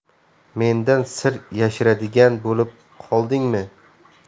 mendan sir yashiradigan bo'lib qoldingmi